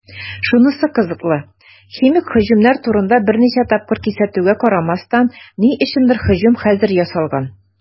Шунысы кызыклы, химик һөҗүмнәр турында берничә тапкыр кисәтүгә карамастан, ни өчендер һөҗүм хәзер ясалган.